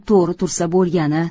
to'g'ri tursa bo'lgani